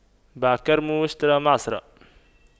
باع كرمه واشترى معصرة